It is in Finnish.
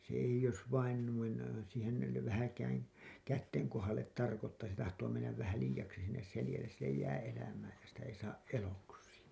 se ei jos vain noin siihen - vähänkään käsien kohdalle tarkoittaa se tahtoo mennä vähän liiaksi sinne selälleen sille jää elämää ja sitä ei saa eloksi